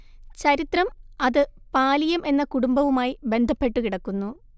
ചരിത്രം അത് പാലിയം എന്ന കുടുംബവുമായി ബന്ധപ്പെട്ടു കിടക്കുന്നു